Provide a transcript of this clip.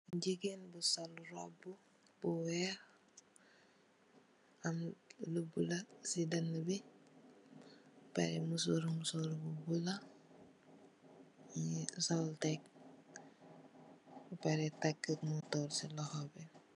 Gigain bu sol rohbu bu wekh, am lu bleu cii dehnue bii, beh pareh musorru musorr bu bleu, mungy sol tek, beh pareh takue montorre cii lokhor bii.